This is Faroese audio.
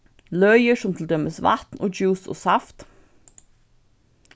løgir sum til dømis vatn og djús og saft